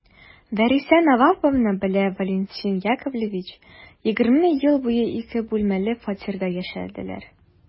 Вәриса Наваповна белән Валентин Яковлевич егерме ел буе ике бүлмәле фатирда яшәделәр.